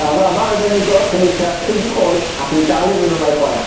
A fama oedden ni'n dod hynny tua pump oed a dwi'n dal i ddod yma i chwara.